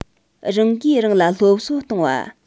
རང གིས རང ལ སློབ གསོ གཏོང བ